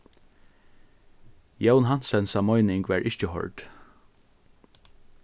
jón hansensa meining varð ikki hoyrd